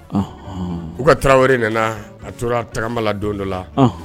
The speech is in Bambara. U ka tarawele wɛrɛ nana a tora tagabala don dɔ la